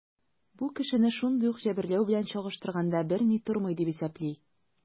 Бу кешене шундый ук җәберләү белән чагыштырганда берни тормый, дип исәпли.